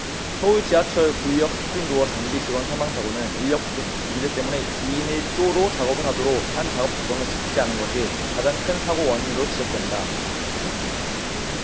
서울지하철 구의역 스크린도어 정비 직원 사망 사고는 인력부족 문제 때문에 이 인 일 조로 작업을 하도록 한 작업규정을 지키지 않은 것이 가장 큰 사고원인으로 지적된다